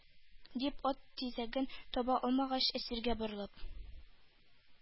- дип, ат тизәген таба алмагач, әсиргә борылып,